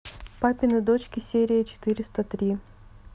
папины дочки серия четыреста три